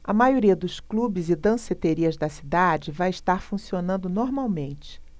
a maioria dos clubes e danceterias da cidade vai estar funcionando normalmente